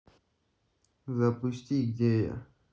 запусти где я